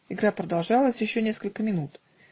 Игра продолжалась еще несколько минут